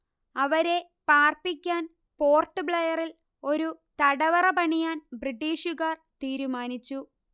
അവരെ പാർപ്പിക്കാൻ പോർട്ട് ബ്ലെയറിൽ ഒരു തടവറ പണിയാൻ ബ്രിട്ടീഷുകാർ തീരുമാനിച്ചു